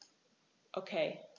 Okay.